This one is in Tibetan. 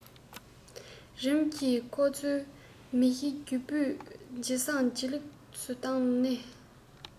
རིམ གྱིས ཁོ ཚོའི མི གཞིའི རྒྱུ སྤུས ཇེ བཟང ཇེ ལེགས སུ བཏང ནས